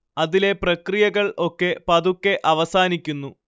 അതിലെ പ്രക്രിയകളൊക്കെ പതുക്കെ അവസാനിക്കുന്നു